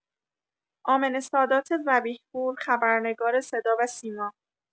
آمنه سادات ذبیح پور، خبرنگار صداوسیما